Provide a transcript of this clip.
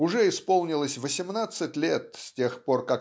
Уже исполнилось восемнадцать лет с тех пор